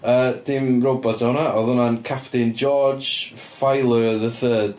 Yy, dim robot oedd hwnna, oedd hwnna'n Captain George Filer the third.